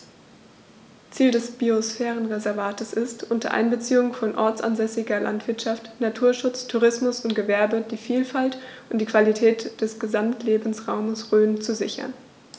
Ziel dieses Biosphärenreservates ist, unter Einbeziehung von ortsansässiger Landwirtschaft, Naturschutz, Tourismus und Gewerbe die Vielfalt und die Qualität des Gesamtlebensraumes Rhön zu sichern.